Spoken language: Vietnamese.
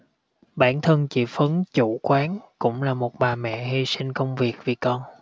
bản thân chị phấn chủ quán cũng là một bà mẹ hi sinh công việc vì con